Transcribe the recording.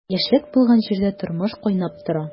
Яшьлек булган җирдә тормыш кайнап тора.